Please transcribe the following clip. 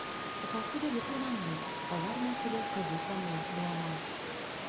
Апасы белеп яманлый: алар нәселе кызу канлы, дуамал.